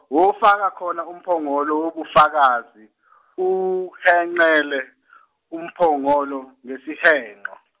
wofaka khona umphongolo wobufakazi uwuhengele umphongolo ngesihengo.